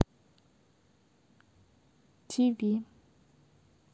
ти ви